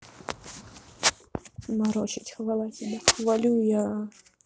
морочить хвала тебя хвалю я